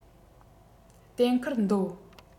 གཏན འཁེལ འདོད